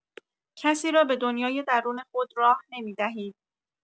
کسی را به دنیای درون خود راه نمی‌دهید.